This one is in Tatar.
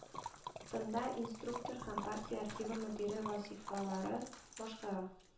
Тында инструктор һәм партия архивы мөдире вазифаларын башкара